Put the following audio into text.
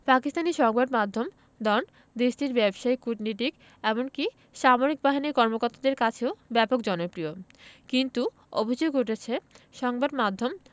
পাকিস্তানি সংবাদ মাধ্যম ডন দেশটির ব্যবসায়ী কূটনীতিক এমনকি সামরিক বাহিনীর কর্মকর্তাদের কাছেও ব্যাপক জনপ্রিয় কিন্তু অভিযোগ উঠেছে সংবাদ মাধ্যম